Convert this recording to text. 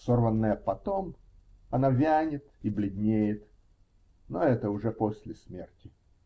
Сорванная потом, она вянет и бледнеет, но это уже после смерти.